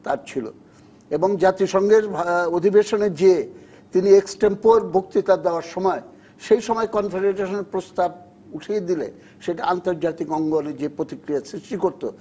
তার ছিল এবং জাতিসংঘের অধিবেশনে যেয়ে তিনি এক্সটেম্পর বক্তৃতা দেয়ার সময় সেই সময় কনফেডারেশন এর প্রস্তাব দিলে সেটা আন্তর্জাতিক অঙ্গনে যে প্রতিক্রিয়ার সৃষ্টি করত